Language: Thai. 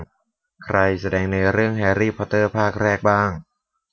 ใครแสดงในเรื่องแฮรี่พอตเตอร์ภาคแรกบ้าง